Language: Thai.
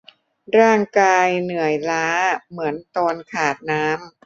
ร่างกายเหนื่อยล้าเหมือนตอนขาดน้ำ